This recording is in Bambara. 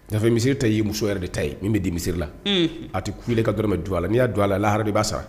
Fe misiriri ta y'i muso yɛrɛ de ta ye min bɛ dimirila a tɛ kule ka dmɛ don a la ni'a don a lahara de b'a sɔrɔ